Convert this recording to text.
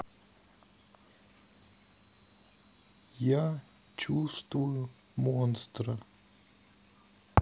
я чувствую монстра